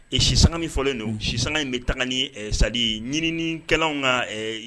E sisanga ni fɔlɔlen don sisanga in bɛ tan ni sali ɲinkɛlaw ka